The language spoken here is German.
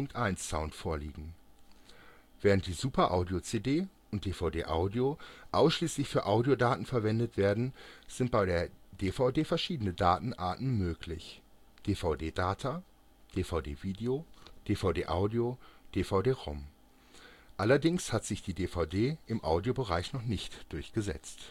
5.1-Sound vorliegen. Während die Super-Audio-CD und DVD Audio ausschließlich für Audiodaten verwendet werden, sind bei der DVD verschiedene Datenarten möglich (DVD Data, DVD Video, DVD Audio, DVD Rom, DVD+ /- R (W)). Allerdings hat sich die DVD im Audiobereich noch nicht durchgesetzt